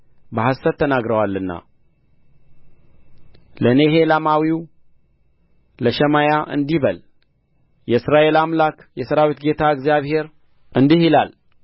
በሐሰት ተናግረዋልና ለኔሔላማዊው ለሸማያ እንዲህ በል የእስራኤል አምላክ የሠራዊት ጌታ እግዚአብሔር እንዲህ ይላል